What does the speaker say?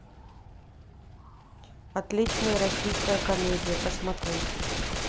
отличная российская комедия посмотреть